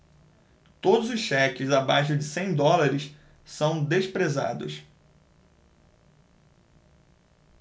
todos os cheques abaixo de cem dólares são desprezados